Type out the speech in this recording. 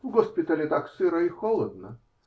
В госпитале так сыро и холодно!